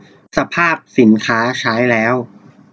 สภาพสินค้าสินค้าใช้แล้ว